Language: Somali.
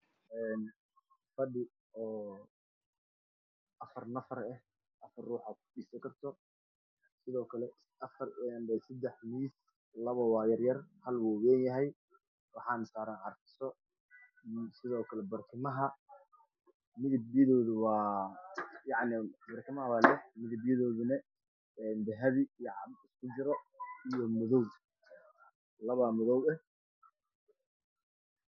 Waa fadhi afar nafar ah iyo seddex miis, labo yaryar iyo hal wayn. Waxaa saaran carfiso iyo barkimo midabkiisu waa dahabi iyo cadaan isku jiro iyo labo madow ah.